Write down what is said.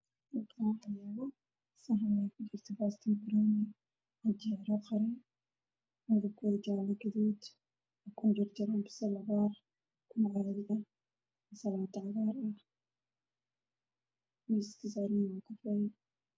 Wa saxan cadaan qudaar ayaa ku jirto